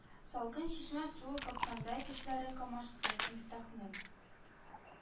Салкын чишмә суы капкандай тешләре камашты Мифтахның